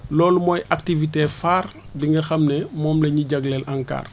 loolu mooy activité phare bi nga xam ne moom la ñuy jagleel ANCAR